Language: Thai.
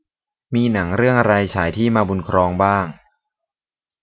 มีหนังเรื่องอะไรฉายที่มาบุญครองบ้าง